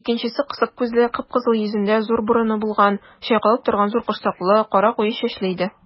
Икенчесе кысык күзле, кып-кызыл йөзендә зур борыны булган, чайкалып торган зур корсаклы, кара куе чәчле иде.